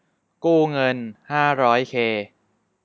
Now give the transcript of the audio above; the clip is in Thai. กู้เงินห้าร้อยเค